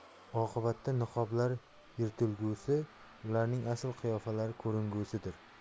oqibatda niqoblar yirtilgusi ularning asl qiyofalari ko'ringusidir